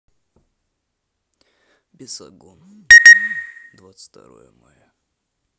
бесогон тв двадцать второе мая